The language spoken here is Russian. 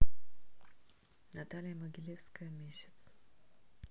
наталья могилевская месяц